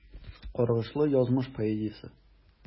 Каргышлы язмыш поэзиясе.